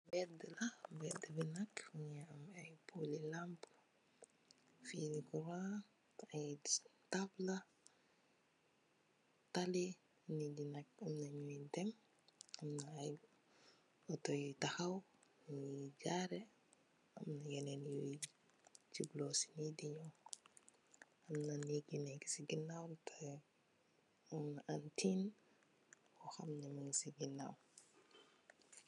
Gerte la, gerte bi nak, mu ngi am ay pooli lamp, ay fiili kuran, ay tabla, talli, nit ñicñu ngee dem, otto yi taxaw, ñu ngi gaare, am ay otto yu jubloo ñii di ñoy, am na neeg yi neek si ganaaw, am antin bu neek si ganaaw.